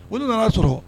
O de nana sɔrɔ